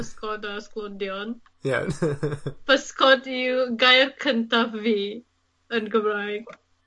Pysgod a sglodion. Ie. Pysgod yw gair cyntaf fi yn Gymraeg.